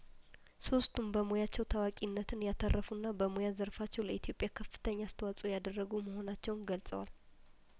ሶስቱም በሙያቸው ታዋቂ ነትን ያተረፉና በየሙያዘር ፋቸው ለኢትዮጵያ ከፍተኛ አስተዋጽኦ ያደረጉ መሆናቸውን ገልጸዋል